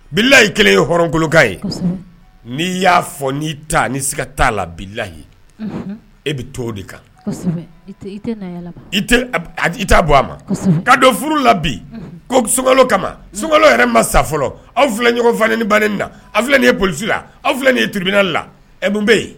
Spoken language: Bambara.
Bila i kelen ye hɔrɔnkolokan ye n'i y'a fɔ n' ni ka t taa la bilayi e bɛ to o de kan t' bɔ a ma ka don furu la bi ko sun kama sun yɛrɛ ma sa fɔlɔ anw filɛ ɲɔgɔn ni ba na aw filɛ nin ye p la anw filɛ ye tibiinali la eb bɛ yen